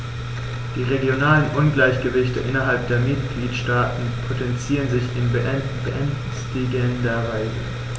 Die regionalen Ungleichgewichte innerhalb der Mitgliedstaaten potenzieren sich in beängstigender Weise.